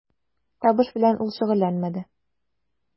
Табыш белән ул шөгыльләнмәде.